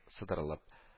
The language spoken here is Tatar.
Сыдырылып